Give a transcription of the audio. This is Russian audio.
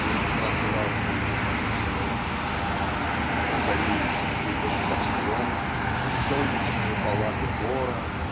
"день прохладный и пустой", розовеющий пепел небосклона, солнечные палаты бора